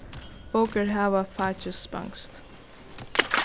okur hava fakið spanskt